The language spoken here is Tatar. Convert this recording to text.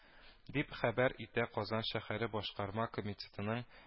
Дип хәбәр итә казан шәһәре башкарма комитетының